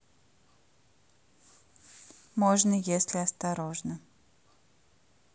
можно если осторожно